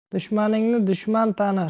dushmaningni dushman tanir